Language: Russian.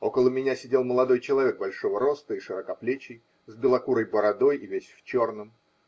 Около меня сидел молодой человек большого роста и широкоплечий, с белокурой бородой и весь в черном